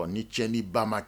Ɔ ni tiɲɛniba ma